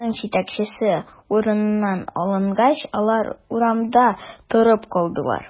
Аның җитәкчесе урыныннан алынгач, алар урамда торып калдылар.